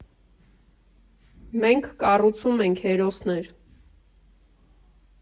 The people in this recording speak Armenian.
Մենք կառուցում ենք հերոսներ։